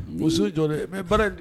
Muso jɔnlen mais baara in